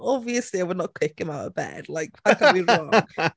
Obviously I would not kick him out of bed like paid cael fi'n wrong.